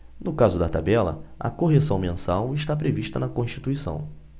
no caso da tabela a correção mensal está prevista na constituição